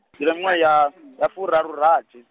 miṅwaha ya , ya furarurathi.